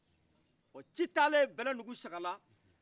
ɔ ci tale bɛlɛnugu sagala